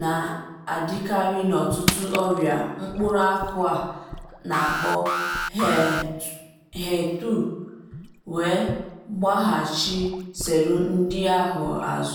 na-adịkarị n’ọtụtụ ọrịa mkpụrụ akụ a na-akpọ HER2, wee gbaghachi selụ ndị ahụ azụ.